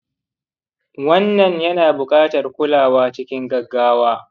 wannan yana buƙatar kulawa cikin gaggawa.